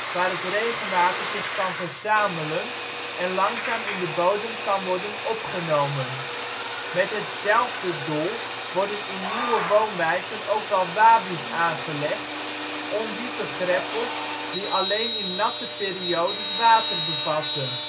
waar het regenwater zich kan verzamelen en langzaam in de bodem kan worden opgenomen. Met hetzelfde doel worden in nieuwe woonwijken ook wel wadi 's aangelegd; ondiepe greppels die alleen in natte periodes water bevatten